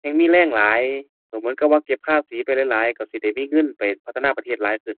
แฮ่งมีแรงหลาย ช้างเหมือนกับว่าเก็บภาษีไปหลายหลาย ช้างสิได้มีเงินไปพัฒนาประเทศหลายขึ้น